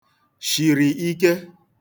shìrì ike